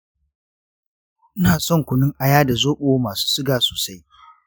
ina son kunun aya da zoɓo masu suga sosai.